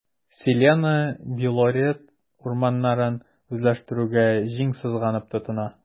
“селена” белорет урманнарын үзләштерүгә җиң сызганып тотына.